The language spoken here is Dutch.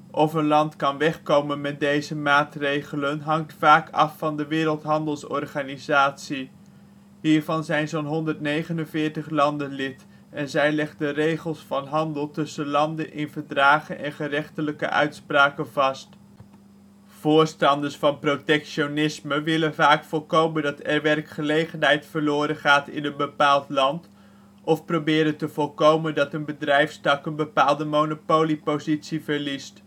Of een land kan wegkomen met deze maatregelen hangt vaak af van de Wereldhandelsorganisatie. Hiervan zijn zo 'n 149 landen lid, en zij legt de regels van handel tussen landen in verdragen en gerechtelijke uitspraken vast. Voorstanders van protectionisme willen vaak voorkomen dat er werkgelegenheid verloren gaat in een bepaald land of proberen te voorkomen dat een bedrijfstak een bepaalde monopoliepositie verliest